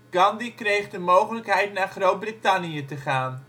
Gandhi kreeg de mogelijkheid naar Groot-Brittannië te gaan